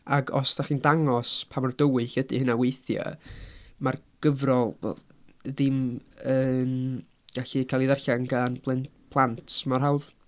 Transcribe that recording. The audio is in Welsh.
Ac os dach chi'n dangos pa mor dywyll ydy hynna weithiau mae'r gyfrol, wel ddim yn gallu cael ei ddarllen gan blen- plant mor hawdd.